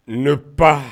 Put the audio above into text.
Ne pan